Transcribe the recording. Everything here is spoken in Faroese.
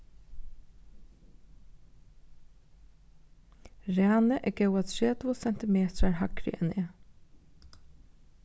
rani er góðar tretivu sentimetrar hægri enn eg